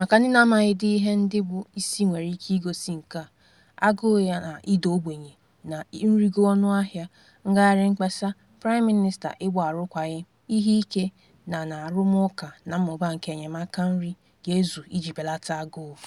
Maka ndị na-amaghịdị ihe ndị bụ isi nwere ike igosị nke a: agụụ + ịda ogbenye + nrịgo ọnụahịa = ngagharị mkpesa + Praịm Mịnịsta ịgba arụkwaghịm + ihe ike, na na-arụmụụka na mmụba nke enyemaka nri ga-ezu iji belata agụụ.